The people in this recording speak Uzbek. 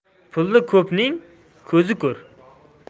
puli ko'pning ko'zi ko'r